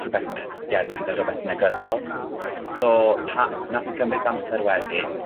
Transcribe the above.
rhwbeth yn cysylltiedig gyda rwbeth negyddol. So pa... Nath e cymryd amser wedyn